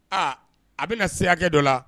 A a bɛ na se hakɛ dɔ la